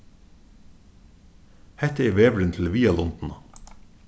hetta er vegurin til viðarlundina